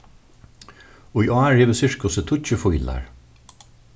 í ár hevur sirkusið tíggju fílar